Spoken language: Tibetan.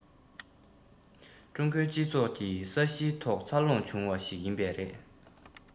ཀྲུང གོའི སྤྱི ཚོགས ཀྱི ས གཞིའི ཐོག འཚར ལོངས བྱུང བ ཞིག ཡིན པས རེད